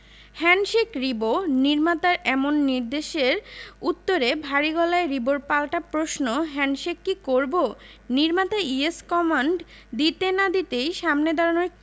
handshake Ribo নির্মাতার এমন নির্দেশের উত্তরে ভারী গলায় রিবোর পাল্টা প্রশ্ন হ্যান্ডশেক কি করবো নির্মাতা ইয়েস কমান্ড দিতে না দিতেই সামনের দাঁড়ানো